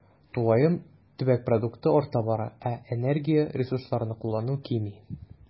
Тулаем төбәк продукты арта бара, ә энергия, ресурсларны куллану кими.